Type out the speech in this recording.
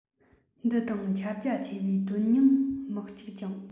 འདི དང ཁྱབ རྒྱ ཆེ བའི དོན སྙིང མི གཅིག ཅིང